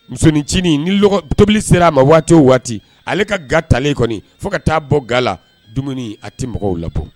Musonincinin ni tobili sera a ma waatiw waati ale ka ga talen kɔni fo ka taa bɔ ga la dumuni a tɛ mɔgɔw lawu